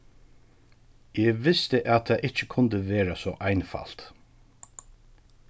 eg visti at tað ikki kundi vera so einfalt